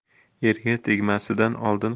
erga tegmasidan oldin